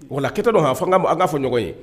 Wa kɛtɔ dɔnan k'a fɔ ɲɔgɔn ye